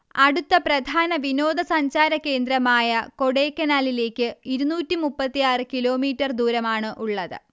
അടുത്ത പ്രധാന വിനോദസഞ്ചാരകേന്ദ്രമായ കൊടൈക്കനാലിലേക്ക് ഇരുന്നൂറ്റി മുപ്പത്തിയാറ് കിലോമീറ്റർ ദൂരമാണ് ഉള്ളത്